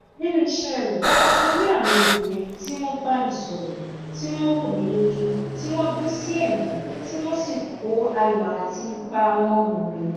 Nínú ìṣẹ́ rẹ̀, mo rí àwọn obìnrin tí wọ́n bá mi sọ̀rọ̀, tí wọ́n wò mí lójú, tí wọ́n bú sí ẹ̀rín tí wọ́n sì kó ayọ̀ àti ipá wọn ràn mí.